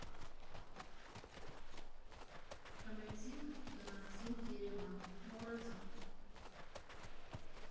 Խմեցինք, գնացինք Երևան, մոռացանք։